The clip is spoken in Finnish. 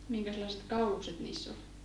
minkälaiset kaulukset niissä oli